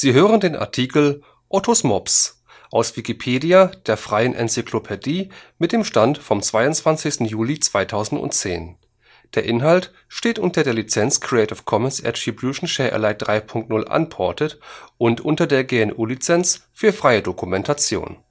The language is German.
hören den Artikel Ottos mops, aus Wikipedia, der freien Enzyklopädie. Mit dem Stand vom Der Inhalt steht unter der Lizenz Creative Commons Attribution Share Alike 3 Punkt 0 Unported und unter der GNU Lizenz für freie Dokumentation